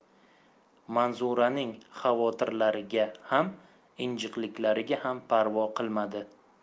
manzuraning xavotirlariga ham injiqliklariga ham parvo qilmadi